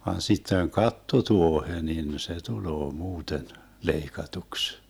vaan sitten kattotuohi niin se tulee muuten leikatuksi